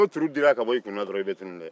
n'a turu dira ka bɔ i kan na i bɛ tunun dɛ